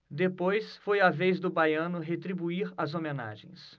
depois foi a vez do baiano retribuir as homenagens